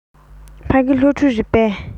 ཕ གི སློབ ཕྲུག རེད པས